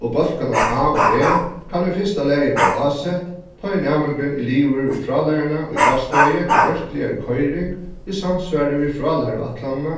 og bólkarnar a og b kann í fyrsta lagi verða ásett tá ið næmingurin er liðugur við frálæruna í ástøði og verkligari koyring í samsvari við frálæruætlanina